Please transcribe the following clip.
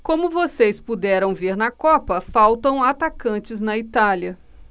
como vocês puderam ver na copa faltam atacantes na itália